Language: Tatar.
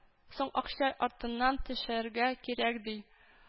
— соң, акча артыннан төшәргә кирәк, — ди